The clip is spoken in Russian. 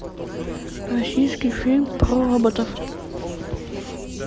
российские фильмы про роботов